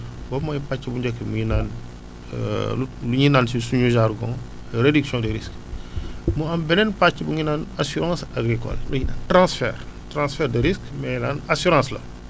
boobu mooy pàcc bu njëkk bu ñuy naan lu lu ñuy naan si suñu jargon réduction des risque mu am beneen pàcc mpu ngi naan assurance agricole li ñu naan transfert transfert de risque mais naan assurance la